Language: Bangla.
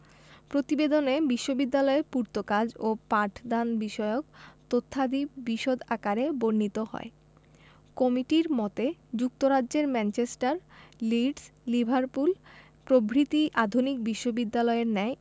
প্রতিবেদনে বিশ্ববিদ্যালয়ের পূর্তকাজ ও পাঠদানবিষয়ক তথ্যাদি বিশদ আকারে বর্ণিত হয় কমিটির মতে যুক্তরাজ্যের ম্যানচেস্টার লিডস লিভারপুল প্রভৃতি আধুনিক বিশ্ববিদ্যালয়ের ন্যায়